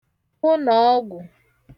ụnọ̀ọgwụ̀